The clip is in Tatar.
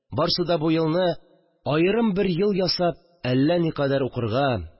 Барсы да бу елны аерым бер ел ясап, әллә никадәр укырга